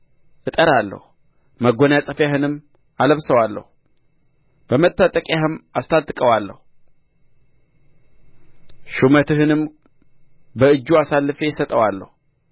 እጠራለሁ መጐናጸፊያህንም አለብሰዋለሁ በመታጠቂያህም አስታጥቀዋለሁ ሹመትህንም በእጁ አሳልፌ እሰጠዋለሁ